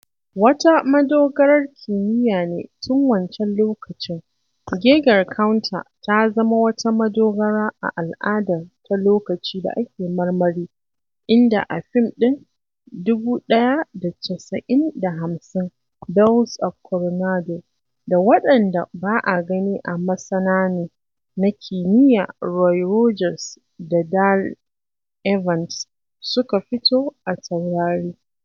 Wata madogarar kimiyya ne tun wancan lokacin, Geiger Counter ta zama wata madogara a al’adar ta lokaci da ake marmari, inda a fim din 1950 "Bells of Coronado," da waɗanda ba a gani masana ne na kimiyya Roy Rogers da Dale Evans suka fito a taurari: